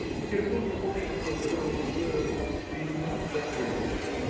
в Петербурге общество, в котором он вырос, перед ним закрылось